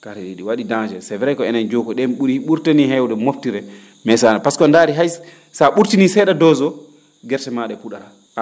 kare ?ee ?i wa?i dangereux c' vrai que enen joo ko ?een ?uri ?urten nin heewde moftirde mais so a par ce que a ndaari hay so a ?ursinii see?a dose oo gerse maa ?e pu?araa